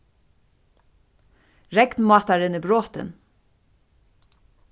regnmátarin er brotin